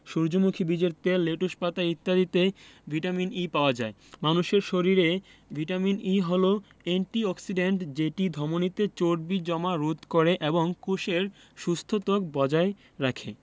সূর্যমুখী বীজের তেল লেটুস পাতা ইত্যাদিতে ভিটামিন E পাওয়া যায় মানুষের শরীরে ভিটামিন E হলো এন্টি অক্সিডেন্ট যেটি ধমনিতে চর্বি জমা রোধ করে এবং কোষের সুস্থ ত্বক বজায় রাখে